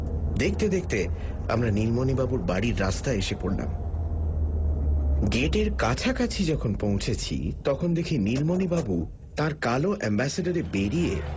দেখতে দেখতে আমরা নীলমণিবাবুর বাড়ির রাস্তায় এসে পড়লাম গেটের কাছাকাছি যখন পৌছেছি তখন দেখি নীলমণিবাবু তাঁর কালো অ্যামব্যাসাডরে বেরিয়ে